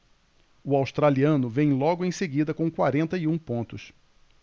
o australiano vem logo em seguida com quarenta e um pontos